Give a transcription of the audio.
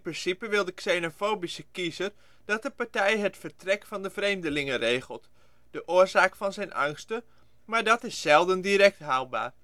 principe wil de xenofobische kiezer dat de partij het vertrek van de vreemdelingen regelt - de oorzaak van zijn angsten - maar dat is zelden direct haalbaar.